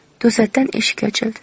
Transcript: to'satdan eshik ochildi